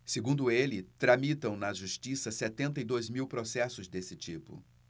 segundo ele tramitam na justiça setenta e dois mil processos desse tipo